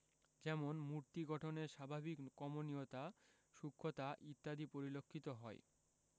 যেমন মূর্তি গঠনের স্বাভাবিক কমনীয়তা সূক্ষতা ইত্যাদি পরিলক্ষিত হয়